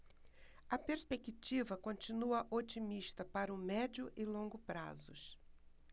a perspectiva continua otimista para o médio e longo prazos